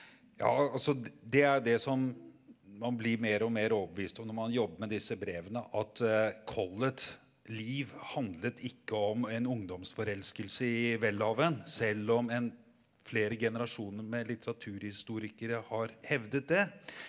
ja altså det er jo det som man blir mer og mer overbevist om når man jobber med disse brevene at Collett liv handlet ikke om en ungdomsforelskelse i Welhaven, selv om en flere generasjoner med litteraturhistorikere har hevdet det.